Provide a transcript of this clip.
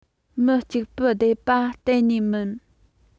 མི གཅིག པུ བསྡད པ གཏན ནས མིན